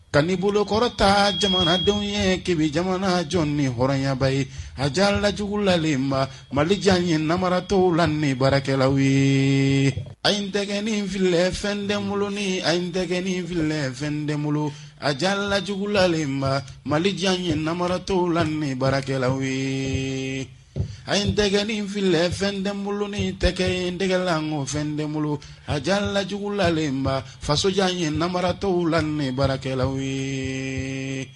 Ka bolokɔrɔta jamanadenw ye kɛmɛ jamana jɔn ni hɔrɔnyaba ye a jalalaj jugulalenba malijan ye namara tɔw la ni baarakɛla ye a ye tɛ fili fɛn den bolo ni a tɛ nin fili fɛn den bolo a jalalajugulalenba mali jan ye naratɔ la ni baarakɛla ye a ye tɛgɛnen fili fɛn den bolo ni tɛgɛ in dɛlakɔ fɛn den bolo a jalalajugulalenba fasojan ye naratɔ la ni baarakɛla ye